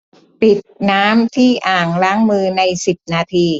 ปิดน้ำที่อ่างล้างมือในสิบนาที